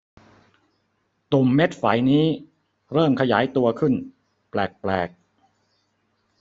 ตุ่มเม็ดไฝนี้เริ่มขยายตัวขึ้นแปลกแปลก